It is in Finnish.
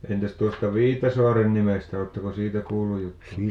entäs tuosta Viitasaaren nimestä oletteko siitä kuullut juttuja